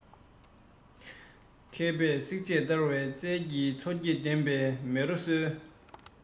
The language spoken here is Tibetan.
མཁས པས བསྲེགས བཅད བརྡར བའི རྩལ གྱིས མཚོ སྐྱེས བསྟན པའི མེ རོ གསོས